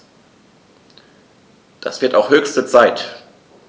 Das wird auch höchste Zeit!